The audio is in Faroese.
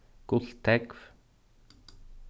gult tógv